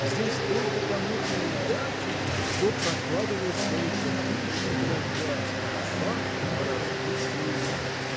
здесь только тому и удача, кто прокладывает свою тропинку не торопясь, как пахарь борозду плугом.